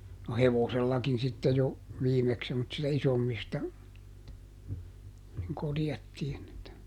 no hevosellakin sitten jo viimeksi semmoisista isommista niin korjattiin että